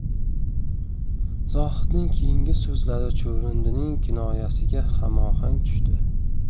zohidning keyingi so'zlari chuvrindining kinoyasiga hamohang tushdi